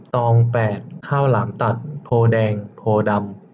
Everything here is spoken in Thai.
ตองแปดข้าวหลามตัดโพธิ์แดงโพธิ์ดำ